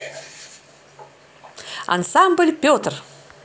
ансамбль петр